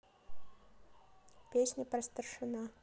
песня про старшина